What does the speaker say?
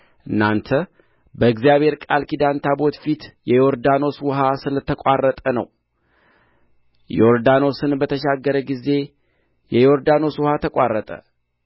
እናንተ በእግዚአብሔር ቃል ኪዳን ታቦት ፊት የዮርዳኖስ ውኃ ስለተቋረጠ ነው ዮርዳኖስን በተሻገረ ጊዜ የዮርዳኖስ ውኃ ተቋረጠ